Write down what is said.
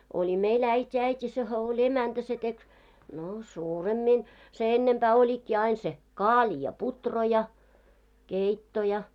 oli meillä äiti äiti sehän oli emäntä se teki no suuremmin se ennempää olikin aina se kaali ja puuro ja keitto ja